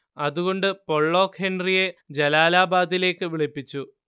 അതുകൊണ്ട് പൊള്ളോക്ക് ഹെൻറിയെ ജലാലാബാദിലേക്ക് വിളിപ്പിച്ചു